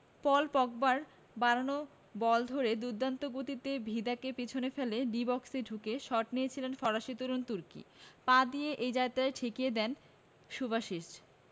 পল পগবার বাড়ানো বল ধরে দুর্দান্ত গতিতে ভিদাকে পেছনে ফেলে ডি বক্সে ঢুকে শট নিয়েছিলেন ফরাসি তরুণ তুর্কি পা দিয়ে এ যাত্রায় ঠেকিয়ে দেন সুবাসিচ